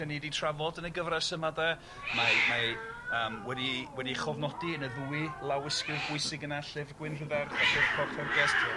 'dan ni 'di trafod yn y gyfres yma de mae mae yym wedi wedi ei chofnodi yn y ddwy lawysgrif bwysig yna, Llyfr Gwyn Rhyddarch a a Llyfr Coch Hergest. ia.